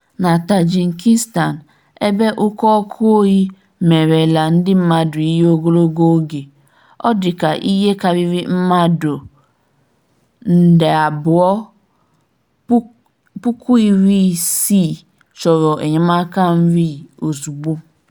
Na Tajikistan, ebe ụkọ ọkụ oyi merela ndị mmadụ ihe ogologo oge, ọ dịka ihe karịrị mmadụ 260,000 chọrọ enyemaka nri ozugbo.